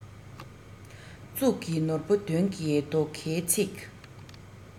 གཙུག གི ནོར བུ དོན གྱི རྡོ ཁའི ཚིག